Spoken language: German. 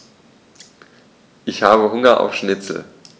Ich habe Hunger auf Schnitzel.